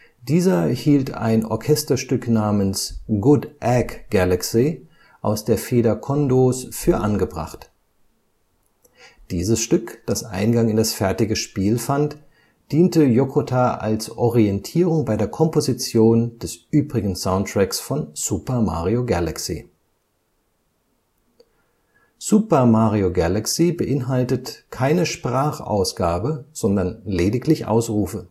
Dieser hielt ein Orchesterstück namens „ Good Egg Galaxy “aus der Feder Kondōs für angebracht. Dieses Stück, das Eingang in das fertige Spiel fand, diente Yokota als Orientierung bei der Komposition des übrigen Soundtracks von Super Mario Galaxy. Super Mario Galaxy beinhaltet keine Sprachausgabe, sondern lediglich Ausrufe